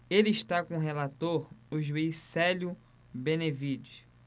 ele está com o relator o juiz célio benevides